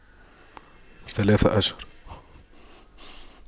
ثلاث أشهر